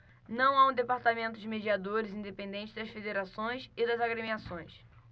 não há um departamento de mediadores independente das federações e das agremiações